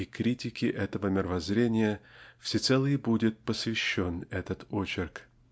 и критике этого мировоззрения всецело и будет посвящен этот очерк.